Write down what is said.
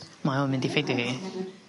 mae o'n mynd i ffeindio hi